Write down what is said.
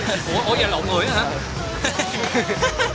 ủa dậy lộn người đó hả